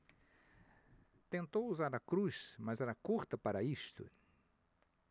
tentou usar a cruz mas era curta para isto